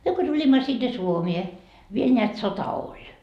me kun tulimme sinne Suomeen vielä näet sota oli